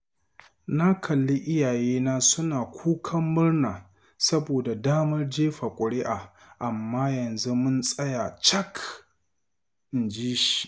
Na kalli iyayena suna kukan murna saboda damar jefa kuri’a amma yanzu mun tsaya cak,” inji shi.